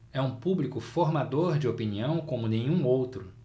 é um público formador de opinião como nenhum outro